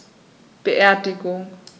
Beerdigung